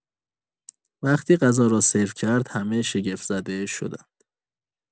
وقتی غذا را سرو کرد، همه شگفت‌زده شدند.